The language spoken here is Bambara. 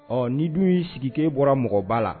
Ɔ ni dun y'i sigi bɔra mɔgɔba la